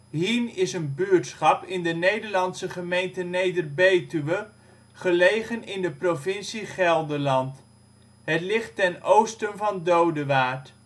Hien is een buurtschap in de Nederlandse gemeente Neder-Betuwe, gelegen in de provincie Gelderland. Het ligt ten oosten van Dodewaard